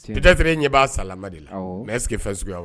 Peut être e ɲɛ b'a sa lama de la , awɔ mais est- ce que , fɛn suguya wɛrɛ.